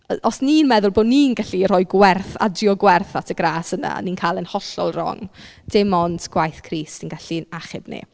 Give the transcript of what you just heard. Yy os ni'n meddwl bod ni'n gallu rhoi gwerth, adio gwerth at y gras yna ni'n cael e'n hollol wrong dim ond gwaith Crist sy'n gallu'n achub ni.